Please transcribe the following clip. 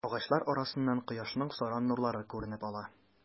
Агачлар арасыннан кояшның саран нурлары күренеп ала.